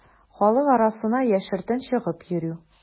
Халык арасына яшертен чыгып йөрү.